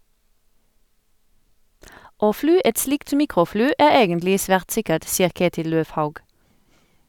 - Å fly et slikt mikrofly er egentlig svært sikkert, sier Ketil Løvhaug.